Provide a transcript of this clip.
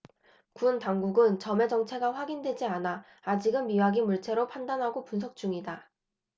군 당국은 점의 정체가 확인되지 않아 아직은 미확인 물체로 판단하고 분석 중이다